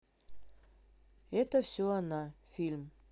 это все она фильм